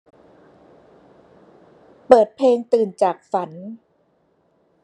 เปิดเพลงตื่นจากฝัน